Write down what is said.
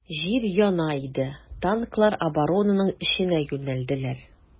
Җир яна иде, танклар оборонаның эченә юнәлделәр.